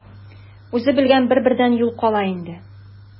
Үзе белгән бердәнбер юл кала инде.